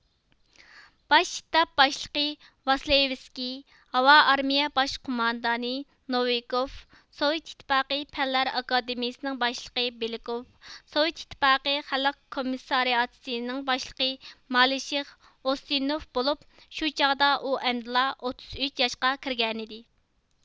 باش شتاب باشلىقى ۋاسلېيۋىسكىي ھاۋا ئارمىيە باش قوماندانى نوۋىكوف سوۋېت ئىتتىپاقى پەنلەر ئاكادېمىيىسىنىڭ باشلىقى بىلكوف سوۋېت ئىتتىپاقى خەلق كومسسارىئاتسنىڭ باشلىقى مالىشېغ ئۇستنوف بولۇپ شۇ چاغدا ئۇ ئەمدىلا ئوتتۇز ئۈچ ياشقا كىرگەنىدى